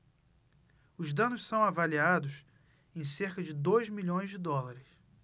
os danos são avaliados em cerca de dois milhões de dólares